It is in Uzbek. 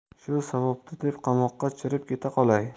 shu savobni deb qamoqda chirib keta qolay